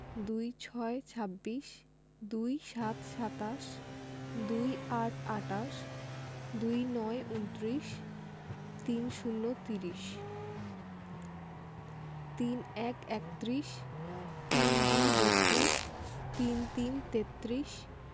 ২৬ – ছাব্বিশ ২৭ – সাতাশ ২৮ - আটাশ ২৯ -ঊনত্রিশ ৩০ - ত্রিশ ৩১ - একত্রিশ ৩২ - বত্ৰিশ ৩৩ - তেত্রিশ